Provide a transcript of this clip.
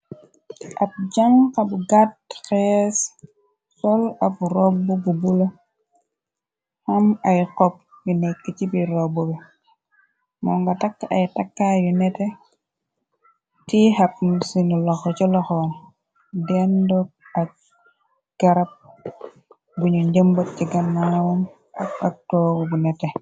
ab janxa bu gaat xees sol ab robb bu bula xam ay xob yu nekki cibir robb bi moo nga takk ay takkaa yu nete tiihap sinu loxo ci loxo dendok ak garab bunu njëmbat ci gannanawom k ak toowu bu nete